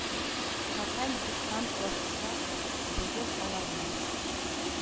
Тоталь диктант язса, быел аларның